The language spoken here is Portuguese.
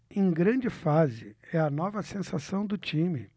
em grande fase é a nova sensação do time